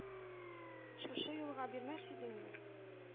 Шушы юлга бирмәс идеңме?